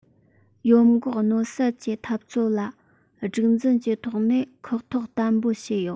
ཡོམ འགོག གནོད སེལ གྱི འཐབ རྩོད ལ སྒྲིག འཛུགས ཀྱི ཐོག ནས ཁག ཐེག བརྟན པོ བྱས ཡོད